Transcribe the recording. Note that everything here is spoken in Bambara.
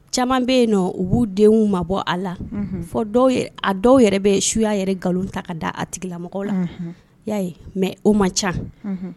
Caman bɛ yen nɔ u b'u denw ma bɔ a la fɔ a dɔw yɛrɛ bɛ suya yɛrɛ nkalon ta ka da a tigilamɔgɔ la y yaa ye mɛ o ma ca